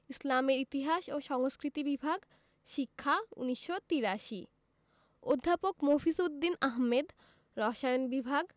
ইসলামের ইতিহাস ও সংস্কৃতি বিভাগ শিক্ষা ১৯৮৩ অধ্যাপক মফিজ উদ দীন আহমেদ রসায়ন বিভাগ